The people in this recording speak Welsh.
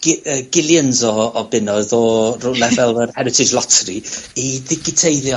gi- yy gillions o o bunnoedd o rywle... ...fel yr Heritage Lottery i ddigiteiddio